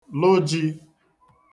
lụ ji